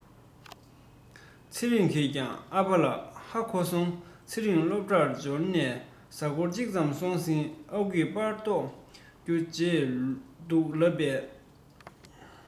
ཚེ རིང གིས ཀྱང ཨ ཕ ལ ཧ གོ སོང ཚེ རིང སློབ གྲྭར འབྱོར ནས གཟའ འཁོར གཅིག ཙམ སོང ཟིན ཨ ཁུས པར བཏོན རྒྱུ བརྗེད འདུག ལབ པས